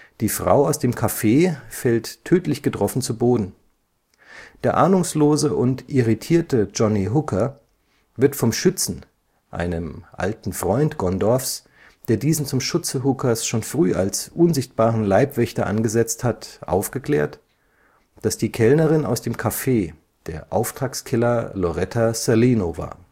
Die Frau aus dem Café fällt tödlich getroffen zu Boden. Der ahnungslose und irritierte Johnny Hooker wird vom Schützen, einem alten Freund Gondorffs, der diesen zum Schutze Hookers schon früh als „ unsichtbaren “Leibwächter angesetzt hat, aufgeklärt, dass die Kellnerin aus dem Café der Auftragskiller Loretta Salino war